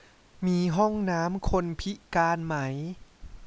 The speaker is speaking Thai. มีห้องน้ำคนพิการไหม